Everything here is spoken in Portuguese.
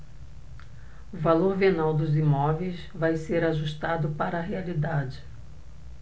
o valor venal dos imóveis vai ser ajustado para a realidade